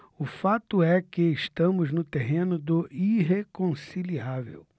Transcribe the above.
o fato é que estamos no terreno do irreconciliável